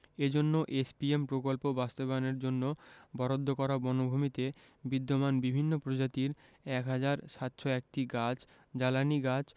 এজন্য এসপিএম প্রকল্প বাস্তবায়নের জন্য বরাদ্দ করা বনভূমিতে বিদ্যমান বিভিন্ন প্রজাতির ১ হাজার ৭০১টি গাছ জ্বালানি গাছ